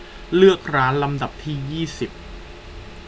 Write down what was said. เลือกร้านลำดับที่ยี่สิบ